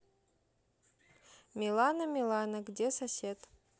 милана милана где сосед